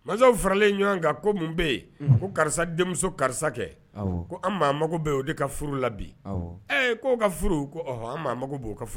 Masaw faralen ɲɔgɔn kan ko mun bɛ yen ko karisa denmuso karisa kɛ ko an mako bɛ o de ka furu la bi ɛ k' ka furu ko ɔ an mako b'o ka furu